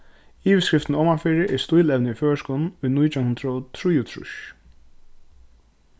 yvirskriftin omanfyri er stílevni í føroyskum í nítjan hundrað og trýogtrýss